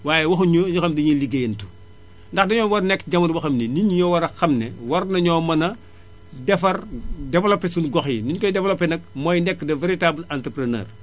waaye waxuñu ñoo xam ne dañuy liggéeyantu ndax dañoo war a nekk ci jamono boo xam ne nit ñi ñoo war a xam ne war nañoo mën a defar développé suñu gox yi ni ñu koy développé nag mooy nekk de véritables entrepreneur